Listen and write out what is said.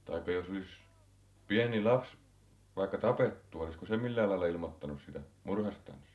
taikka jos olisi pieni lapsi vaikka tapettu olisiko se millään lailla ilmoittanut siitä murhastansa